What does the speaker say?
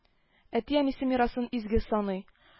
Әти-әнисе мирасын изге саный